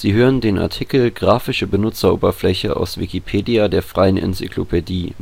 hören den Artikel Grafische Benutzeroberfläche, aus Wikipedia, der freien Enzyklopädie